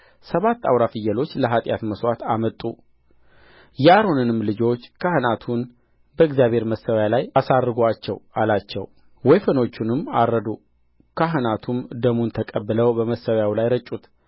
ሰባትም አውራ ፍየሎች ለኃጢያት መሥዋዕት አመጡ የአሮንንም ልጆች ካህናቱን በእግዚአብሔር መሠዊያ ላይ አሳረጉአቸው አላቸው ወይፈኖቹንም አረዱ ካህናቱም ደሙን ተቀብለው በመሠዊያው ላይ ረጩት